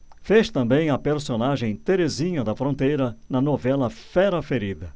fez também a personagem terezinha da fronteira na novela fera ferida